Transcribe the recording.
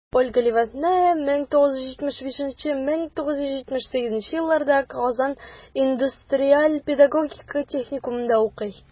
Ольга Левадная 1975-1978 елларда Казан индустриаль-педагогика техникумында укый.